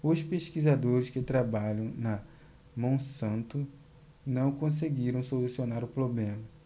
os pesquisadores que trabalham na monsanto não conseguiram solucionar o problema